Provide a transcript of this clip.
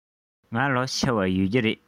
ང ལོ ཆེ བ ཡོད ཀྱི རེད